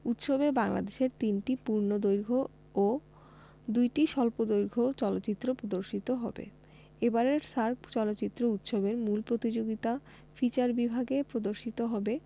উৎসবে বাংলাদেশের ৩টি পূর্ণদৈর্ঘ্য ও ২টি স্বল্পদৈর্ঘ্য চলচ্চিত্র প্রদর্শিত হবে এবারের সার্ক চলচ্চিত্র উৎসবের মূল প্রতিযোগিতা ফিচার বিভাগে প্রদর্শিত হবে